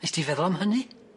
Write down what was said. Wnest ti feddwl am hynny?